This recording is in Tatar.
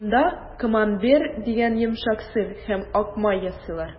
Монда «Камамбер» дигән йомшак сыр һәм ак май ясыйлар.